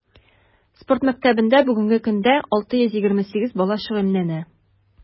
Спорт мәктәбендә бүгенге көндә 628 бала шөгыльләнә.